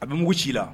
A be mugu c'i la